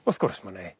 Wrth gwrs ma' 'ne